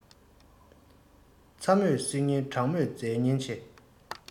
ཚ མོས བསྲེག ཉེན གྲང མོས རྫས ཉེན ཆེ